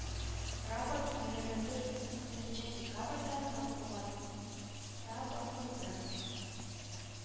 Рапорт егерме дүрт енче декабрьдә мат бугатта басылды